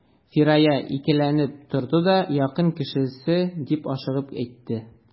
Фирая икеләнеп торды да: — Якын кешесе,— дип ашыгып әйтте.